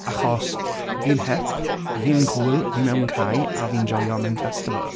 Achos fi'n hip, fi'n cŵl, fi'n mewn cae, a fi'n joio mewn festival.